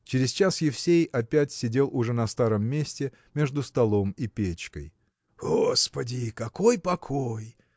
Через час Евсей опять сидел уже на старом месте между столом и печкой. – Господи! какой покой!